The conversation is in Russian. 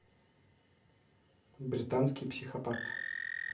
британский психопат